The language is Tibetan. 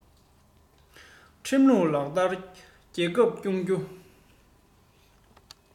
ཁྲིམས ལུགས ལྟར རྒྱལ ཁབ སྐྱོང རྒྱུ